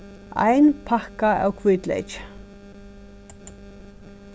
ein pakka av hvítleyki